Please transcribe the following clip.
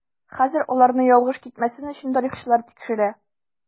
Хәзер аларны ялгыш китмәсен өчен тарихчылар тикшерә.